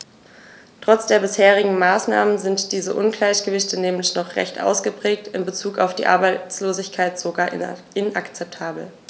Trotz der bisherigen Maßnahmen sind diese Ungleichgewichte nämlich noch recht ausgeprägt, in bezug auf die Arbeitslosigkeit sogar inakzeptabel.